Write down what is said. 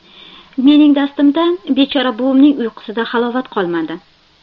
mening dastimdan bechora buvimning uyqusida halovat qolmadi